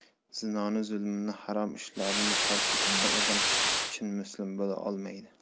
zinoni zulmni harom ishlarni tark etmagan odam chin muslim bo'la olmaydi